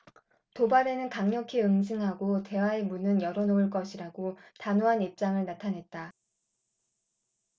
도발에는 강력히 응징하고 대화의 문은 열어 놓을 것이라고 단호한 입장을 나타냈다